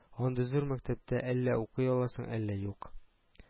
Андый зур мәктәптә әллә укый аласың, әллә юк